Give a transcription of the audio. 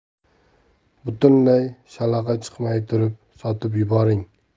butunlay shalag'i chiqmay turib sotib yuboring